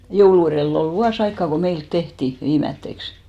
joulun edellä oli vuosi aikaa kun meillä tehtiin viimeiseksi